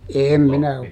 en minä